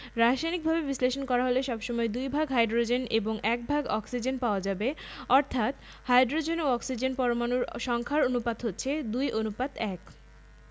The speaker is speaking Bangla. রাসায়নিকভাবে বিশ্লেষণ করা হলে সব সময় দুই ভাগ হাইড্রোজেন এবং এক ভাগ অক্সিজেন পাওয়া যাবে অর্থাৎ হাইড্রোজেন ও অক্সিজেনের পরমাণুর সংখ্যার অনুপাত হচ্ছে ২ অনুপাত ১